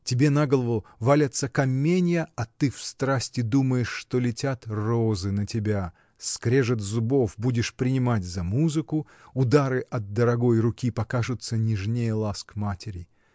Тебе на голову валятся каменья, а ты в страсти думаешь, что летят розы на тебя, скрежет зубов будешь принимать за музыку, удары от дорогой руки покажутся нежнее ласк матери.